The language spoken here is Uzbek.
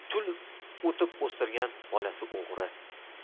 tul o'tib o'stirgan bolasi o'g'ri